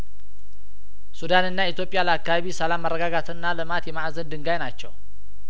ሱዳንና ኢትዮጵያ ለአካባቢ ሰላም መረጋጋትና ልማት የማእዘን ድንጋይ ናቸው